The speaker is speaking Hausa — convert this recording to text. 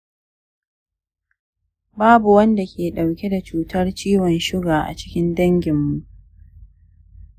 babu wanda ke ɗauke da cutar ciwon shuga a cikin dangin mu